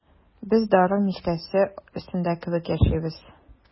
Без дары мичкәсе өстендә кебек яшибез.